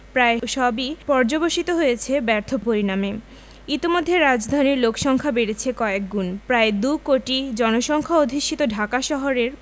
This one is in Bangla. প্রায় সবই পর্যবসিত হয়েছে ব্যর্থ পরিণামে ইতোমধ্যে রাজধানীর লোকসংখ্যা বেড়েছে কয়েকগুণ প্রায় দুকোটি জনসংখ্যা অধ্যুষিত ঢাকা শহরের